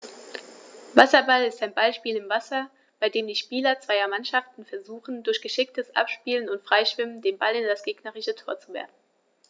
Wasserball ist ein Ballspiel im Wasser, bei dem die Spieler zweier Mannschaften versuchen, durch geschicktes Abspielen und Freischwimmen den Ball in das gegnerische Tor zu werfen.